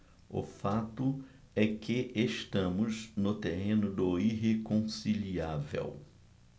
o fato é que estamos no terreno do irreconciliável